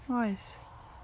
Oes.